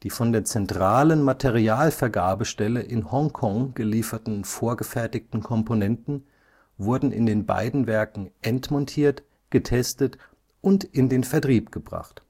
von der zentralen Materialvergabestelle in Hongkong gelieferten vorgefertigten Komponenten wurden in den beiden Werken endmontiert, getestet und in den Vertrieb gebracht